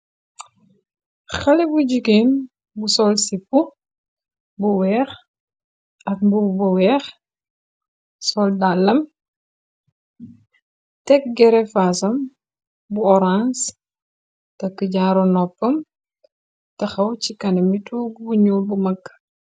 Xale bu jugeen bu sol sip bu weex at mbu bu weex. Sol dàllam tekk gerefaasam bu orang takk jaaro noppam. Taxaw ci kana mi toog bu ñuul bu mëkk.